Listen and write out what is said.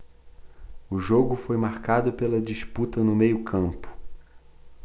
o jogo foi marcado pela disputa no meio campo